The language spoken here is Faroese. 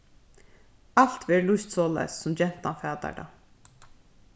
alt verður lýst soleiðis sum gentan fatar tað